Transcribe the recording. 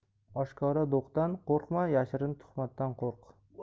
oshkora do'qdan qo'rqma yashirin tuhmatdan qo'rq